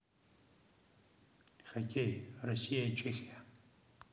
хоккей россия чехия